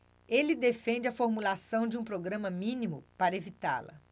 ele defende a formulação de um programa mínimo para evitá-la